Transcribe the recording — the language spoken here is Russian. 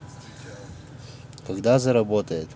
когда заработает